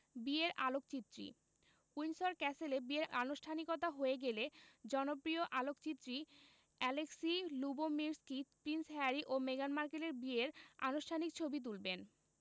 বিয়ের আলোকচিত্রী উইন্ডসর ক্যাসেলে বিয়ের আনুষ্ঠানিকতা হয়ে গেলে জনপ্রিয় আলোকচিত্রী অ্যালেক্সি লুবোমির্সকি প্রিন্স হ্যারি ও মেগান মার্কেলের বিয়ের আনুষ্ঠানিক ছবি তুলবেন